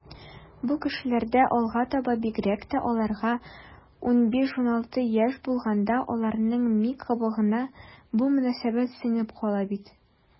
Бу кешеләрдә алга таба, бигрәк тә аларга 15-16 яшь булганда, аларның ми кабыгына бу мөнәсәбәт сеңеп кала бит.